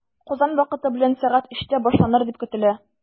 Казан вакыты белән сәгать өчтә башланыр дип көтелә.